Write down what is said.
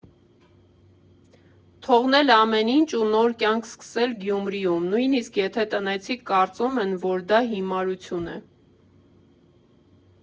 Թողնել ամեն ինչ ու նոր կյանք սկսել Գյումրիում (նույնիսկ եթե տնեցիք կարծում են, որ դա հիմարություն է)։